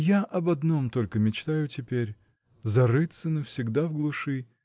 -- Я об одном только мечтаю теперь: зарыться навсегда в глуши